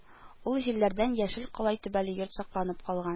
Ул җилләрдән яшел калай түбәле йорт сакланып калган